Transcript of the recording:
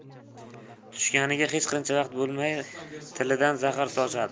tushganiga hech qancha vaqt bo'lmay tilidan zahar sochadi